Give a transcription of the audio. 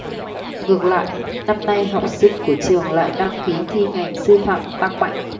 ngược lại năm nay học sinh của trường lại đăng ký thi ngành sư phạm tăng mạnh